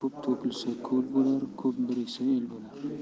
ko'p to'kilsa ko'l bo'lar ko'p biriksa el bo'lar